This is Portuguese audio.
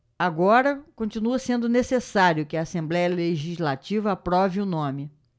agora continua sendo necessário que a assembléia legislativa aprove o nome